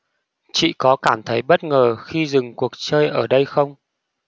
chị có cảm thấy bất ngờ khi dừng cuộc chơi ở đây không